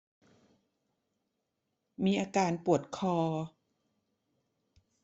มีอาการปวดคอ